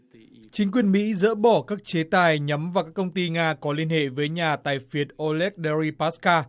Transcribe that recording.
chính quyền mỹ dỡ bỏ các chế tài nhắm vào công ty nga có liên hệ với nhà tài phiệt ô léc đe phi pác ca